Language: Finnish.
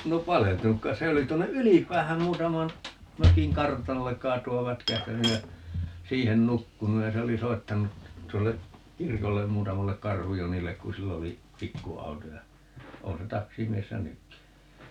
no paleltunut kai se olisi tuonne Ylipäähän muutaman mökin kartanolle kaatua vätkähtänyt ja siihen nukkunut ja se oli soittanut tuolle kirkolle muutamalle Karhu-Jonille kun sillä oli pikkuauto ja on se taksimiehenä nytkin